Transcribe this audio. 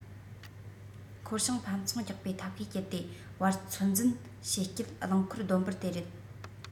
འཁོར བྱང ཕམ ཚོང རྒྱག པའི ཐབས ཤེས སྤྱད དེ བར ཚོད འཛིན བྱེད སྤྱད རླངས འཁོར བསྡོམས འབོར དེ རེད